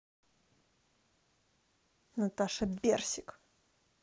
наташа берсик